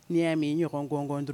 N'i' min ɲɔgɔnɔnɔn